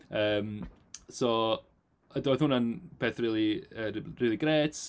Yym so yy d- oedd hwnna'n beth rili rili grêt.